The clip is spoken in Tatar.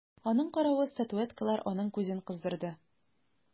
Аның каравы статуэткалар аның күзен кыздырды.